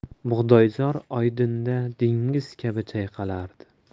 bug'doyzor oydinda dengiz kabi chayqalardi